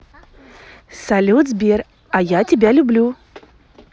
салют сбер а я тебя люблю